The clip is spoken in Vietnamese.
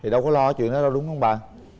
thì đâu có lo chuyện đó đúng hông bạn